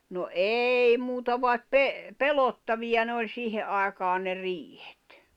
no ei muuta vaan - pelottavia ne oli siihen aikaan ne riihet